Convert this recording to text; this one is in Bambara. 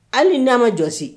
Hali ni n'a ma jɔsi